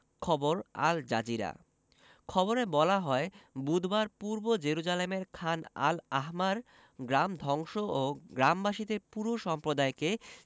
খবর Al Jazeera খবরে বলা হয় বুধবার পূর্ব জেরুজালেমের খান আল আহমার গ্রাম ধ্বংস ও গ্রামবাসীদের পুরো সম্প্রদায়কে